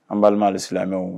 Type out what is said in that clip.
An balima alsilamɛ mɛnw.